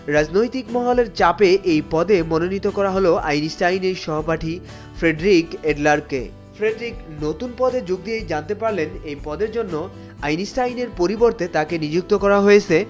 রাজনৈতিক মহলের চাপে এ পদে মনোনীত করা হল আইনস্টাইনের সহপাঠী ফ্রেডরিক অ্যাডলারকে ফ্রেডরিক নতুন পদে যোগ দিয়ে জানতে পারলেন এই পদের জন্য আইনস্টাইন এর পরিবর্তে তাকে নিযুক্ত করা হয়েছে